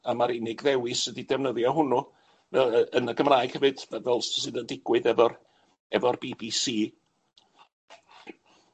a ma'r unig ddewis ydi defnyddio hwnnw yy yy yn y Gymraeg hefyd yy fel s- sydd yn digwydd efo'r efo'r Bee Bee See.